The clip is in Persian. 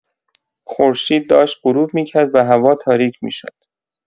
خورشید داشت غروب می‌کرد و هوا تاریک می‌شد.